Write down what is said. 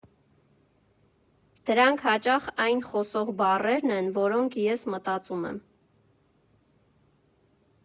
Դրանք հաճախ այն «խոսող» բառերն են, որոնք ես մտածում եմ։